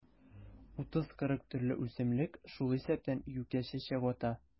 30-40 төрле үсемлек, шул исәптән юкә чәчәк ата.